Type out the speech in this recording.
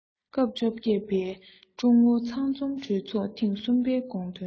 སྐབས བཅོ བརྒྱད པའི ཀྲུང ཨུ ཚང འཛོམས གྲོས ཚོགས ཐེངས གསུམ པའི དགོངས དོན དང